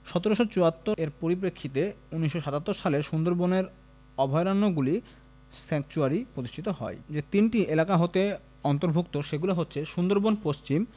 ১৭৭৪ এর পরিপ্রেক্ষিতে ১৯৭৭ সালে সুন্দরবনের অভয়ারণ্যগুলি স্যাকচুয়ারি প্রতিষ্ঠিত হয় যে তিনটি এলাকা এতে অন্তর্ভুক্ত সেগুলি হচ্ছে: সুন্দরবন পশ্চিম